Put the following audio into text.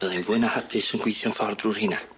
Byddai'n fwy na hapus yn gweithio'n ffordd drw'r rheina.